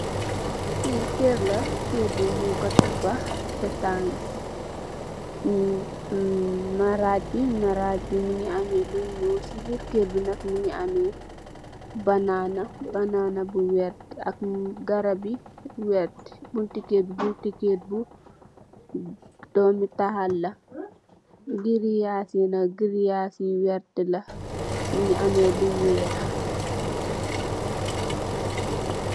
Fi kër la, kër bi nung ko tabah etasan. Maraj bi maraj mungi ameh lu ñuul, ci biir kër bi nak mungi ameh banana. Banana bu vert ak garab yi vert. Buntu kër bi buntu kër bu doomital la, girèyas yi nak girèyas yu vert la, mungi ameh lu weeh.